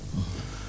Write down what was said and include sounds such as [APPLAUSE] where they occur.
[HESITATION] [HESITATION]